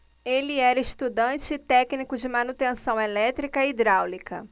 ele era estudante e técnico de manutenção elétrica e hidráulica